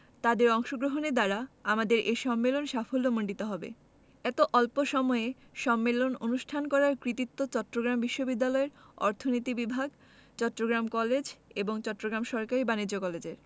তাদের অংশগ্রহণের দ্বারা আমাদের এ সম্মেলন সাফল্যমণ্ডিত হবে এত অল্প এ সম্মেলন অনুষ্ঠান করার কৃতিত্ব চট্টগ্রাম বিশ্ববিদ্যালয়ের অর্থনীতি বিভাগ চট্টগ্রাম কলেজ এবং চট্টগ্রাম সরকারি বাণিজ্য কলেজের